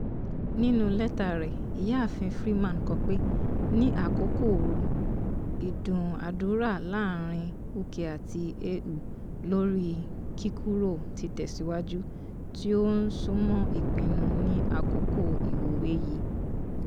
Nínú lẹ́tà rẹ̀, ìyáàfin Freeman kọ pé: "Ní àkókò ooru, ìdúnàdúrà láàrin UK àti EU lórí i kíkúrò ti tẹ̀síwájú, tí ó ń súnmọ̀ ìpinnu ní àkókò ìwọ́wé yìí.